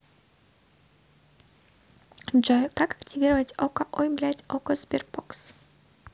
джой как активировать okko ой блядь okko sberbox